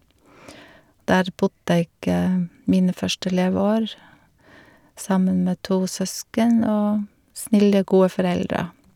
Der bodde jeg mine første leveår sammen med to søsken og snille, gode foreldre.